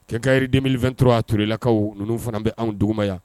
Kɛkayriden2tɔ aurelakaw ninnu fana bɛ anw dugu ma